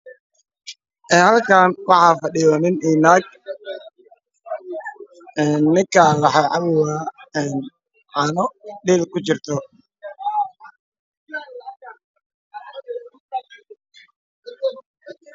Halkan waxaa fadhiyo nin iyo naag ninku wuxuu cabayaa caano dil ku jiro